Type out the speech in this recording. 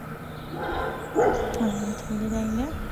Og det var utrolig deilig.